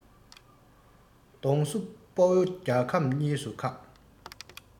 གདོང བསུ དཔའ བོ རྒྱལ ཁམས ཉེས སུ ཁག